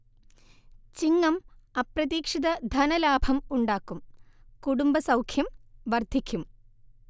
ചിങ്ങം അപ്രതീക്ഷിത ധനലാഭം ഉണ്ടാക്കും കുടുംബസൗഖ്യം വർധിക്കും